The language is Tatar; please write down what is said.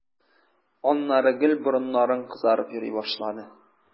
Аннары гел борыннарың кызарып йөри башлады.